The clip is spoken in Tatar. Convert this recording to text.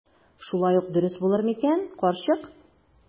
Шулай ук дөрес булыр микән, карчык?